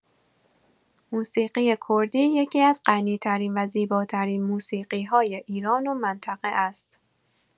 موسیقی کردی یکی‌از غنی‌ترین و زیباترین موسیقی‌‌های ایران و منطقه است.